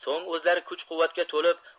so'ng o'zlari kuch quvvatga to'lib